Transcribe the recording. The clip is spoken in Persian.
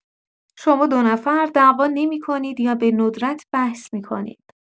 شما دو نفر دعوا نمی‌کنید یا به‌ندرت بحث می‌کنید.